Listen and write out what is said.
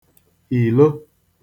ìlo